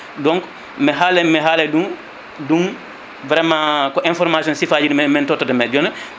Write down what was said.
donc mi haalay mi haalay ɗum ɗum vraiment ko information siifaji min mi totta men joninoon